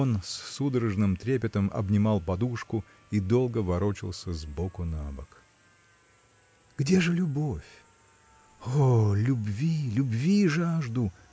он с судорожным трепетом обнимал подушку и долго ворочался с боку на бок. Где же любовь? О, любви, любви жажду!